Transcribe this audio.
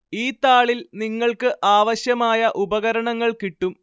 ഈ താളിൽ നിങ്ങൾക്ക് ആവശ്യമായ ഉപകരണങ്ങൾ കിട്ടും